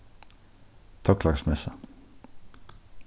tollaksmessa